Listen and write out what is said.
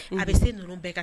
A bɛ se ninnu bɛɛ ka